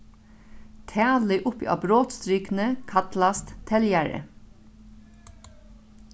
talið uppi á brotstrikuni kallast teljari